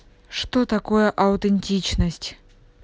что такое аутентичность